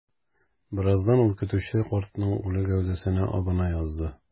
Бераздан ул көтүче картның үле гәүдәсенә абына язды.